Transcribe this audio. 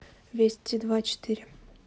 вести два четыре